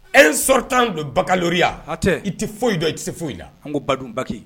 en sortant de baccalauréat i tɛ foyi dɔn i tɛ se foyi la !